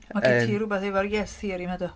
Ma' gen ti rwbath efo'r Yes Theory 'ma de.